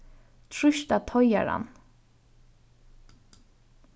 trýst á teigaran